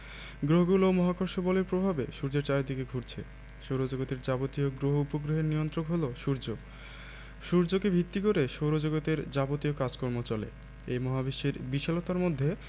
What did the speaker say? গ্রহগুলো মহাকর্ষ বলের প্রভাবে সূর্যের চারদিকে ঘুরছে সৌরজগতের যাবতীয় গ্রহ উপগ্রহের নিয়ন্ত্রক হলো সূর্য সূর্যকে ভিত্তি করে সৌরজগতের যাবতীয় কাজকর্ম চলে এই মহাবিশ্বের বিশালতার মধ্যে